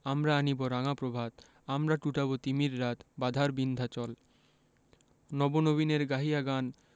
আমরা আনিব রাঙা প্রভাত আমরা টুটাব তিমির রাত বাধার বিন্ধ্যাচল নব নবীনের গাহিয়া গান